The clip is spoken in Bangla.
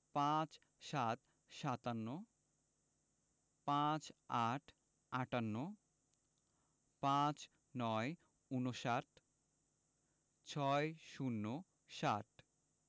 ৫৭ – সাতান্ন ৫৮ – আটান্ন ৫৯ - ঊনষাট ৬০ - ষাট